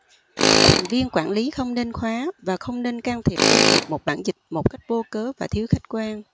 thành viên quản lý không nên khóa và không nên can thiệp bênh vực một bản dịch một cách vô cớ và thiếu khách quan